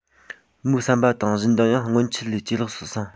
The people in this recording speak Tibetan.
མོའི བསམ པ དང བཞིན མདངས ཡང སྔོན ཆད ལས ཇེ ལེགས སུ སོང